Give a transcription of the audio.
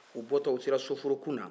u bɔtɔ u sera so forokun na